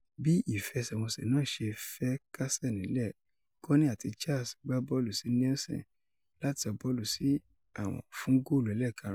Bí ìfẹsẹ̀wọnsẹ̀ náà ṣe fẹ kásẹ̀ nílẹ̀ Cownie àti Charles gbá bọ́ọ̀lù sí Nielsen láti sọ bọ́ọ̀lù sí àwọ̀n fún góòlù ẹlẹ́kaarùn-ún.